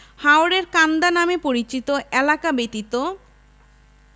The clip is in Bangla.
হাওরের কান্দা নামে পরিচিত এলাকা ব্যতীত